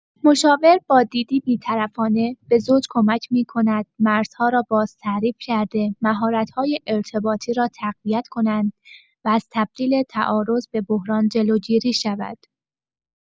مشاور با دیدی بی‌طرفانه به زوج کمک می‌کند مرزها را بازتعریف کرده، مهارت‌های ارتباطی را تقویت کنند و از تبدیل تعارض به بحران جلوگیری شود.